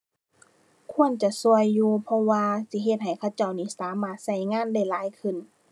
ควรจะช่วยอยู่ เพราะว่าสิเฮ็ดให้เขาเจ้านี่สามารถช่วยงานได้หลายขึ้น